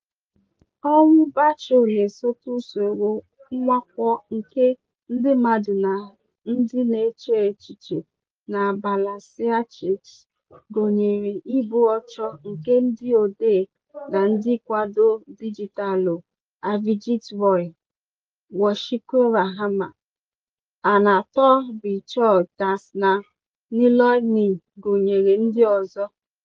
Ọnwụ Bachchu na-esote usoro mwakpo nke ndị mmadụ na ndị na-eche echiche na Bangladesh, gụnyere igbu ọchụ nke ndị odee na ndị nkwado dijitaalụ Avijit Roy, Washiqur Rahman, Ananto Bijoy Das na Niloy Neel, gụnyere ndị ọzọ.